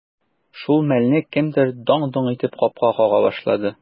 Шул мәлне кемдер даң-доң итеп капка кага башлады.